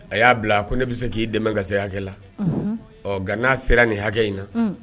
A y'a bila ko ne bɛ se k'i dɛmɛ ka se hakɛ la ɔ nka n'a sera nin hakɛ in na